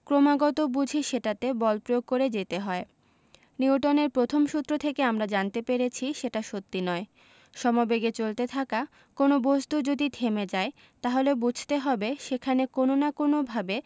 ক্রমাগত বুঝি সেটাতে বল প্রয়োগ করে যেতে হয় নিউটনের প্রথম সূত্র থেকে আমরা জানতে পেরেছি সেটা সত্যি নয় সমবেগে চলতে থাকা কোনো বস্তু যদি থেমে যায় তাহলে বুঝতে হবে সেখানে কোনো না কোনোভাবে